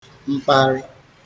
mkparị